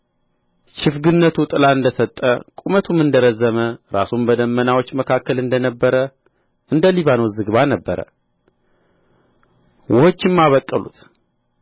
ችፍግነቱ ጥላ እንደ ሰጠ ቁመቱም እንደ ረዘመ ራሱም በደመናዎች መካከል እንደ ነበረ እንደ ሊባኖስ ዝግባ ነበረ ውኆችም አበቀሉት